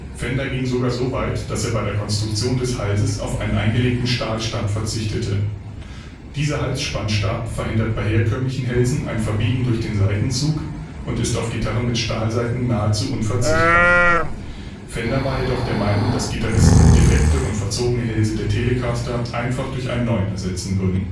Fender ging sogar so weit, dass er bei der Konstruktion des Halses auf einen eingelegten Stahlstab verzichtete. Dieser Halsspannstab verhindert bei herkömmlichen Hälsen ein Verbiegen durch den Saitenzug und ist auf Gitarren mit Stahlsaiten nahezu unverzichtbar. Fender war jedoch der Meinung, dass Gitarristen defekte und verzogene Hälse der Telecaster einfach durch einen neuen ersetzen würden